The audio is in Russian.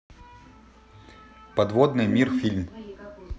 подводный мир фильм